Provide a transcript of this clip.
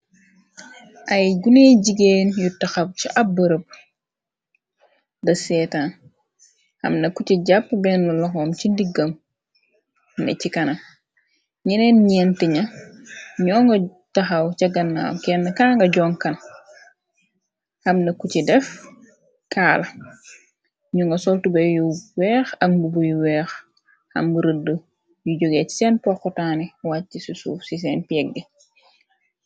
Ay guney jigeen yu taxaw ci ab bërëb da seetan..Amna kucci jàpp benn laxoom ci ndiggam ne. Ci kana ñeneen ñeenti ña ñoo nga taxaw ca gannaaw kenn kan nga jon kan. Amna kucci def kaala ñu nga soltube yu weex ak mbubbu yu weex. Am rëdd yu jógeec seen poxutaane wàcc ci suuf ci seen peeg gi.